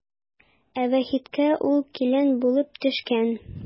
Ә Вахитка ул килен булып төшкән.